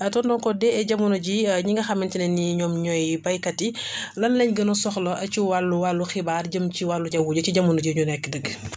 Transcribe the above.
tonton Codé jamono jii ñi nga xamante ne nii énoom ñooy béykat yi lan lañ gën a soxla ci wàllu wàllu xibaar jëm ci wàllu jaww ji ci jamono jii ñu nekk dëgg